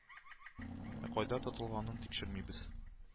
Ә кайда тотылган тикшермибез